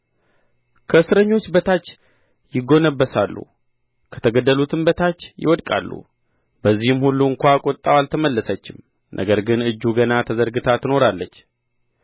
ከእስረኞች በታች ይጐነበሳሉ ከተገደሉትም በታች ይወድቃሉ በዚህም ሁሉ እንኳ ቍጣው አልተመለሰችም ነገር ግን እጁ ገና ተዘርግታ ትኖራለች